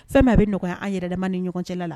Fɛmi a bi nɔgɔya an yɛrɛ dama ni ɲɔgɔncɛla la.